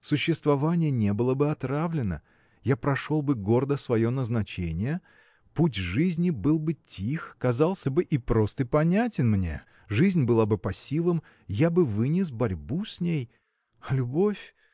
Существование не было бы отравлено. Я прошел бы гордо свое назначение путь жизни был бы тих казался бы и прост и понятен мне жизнь была бы по силам я бы вынес борьбу с ней. А любовь?